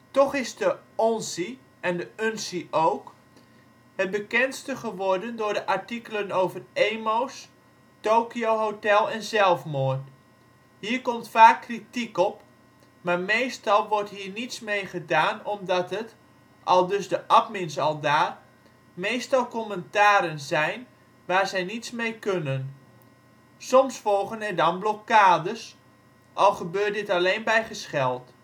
Toch is de Oncy (en de Uncy ook) het bekendste geworden door de artikelen over emo 's, Tokio Hotel en zelfmoord. Hier komt vaak kritiek op, maar meestal wordt hier niets mee gedaan omdat het, aldus de admins aldaar, meestal commentaren zijn waar zij niets mee kunnen. Soms volgen er dan blokkades, al gebeurt dit alleen bij gescheld